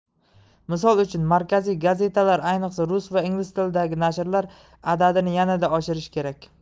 misol uchun markaziy gazetalar ayniqsa rus va ingliz tilidagi nashrlar adadini yanada oshirish kerak